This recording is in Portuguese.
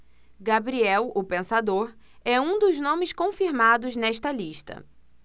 gabriel o pensador é um dos nomes confirmados nesta lista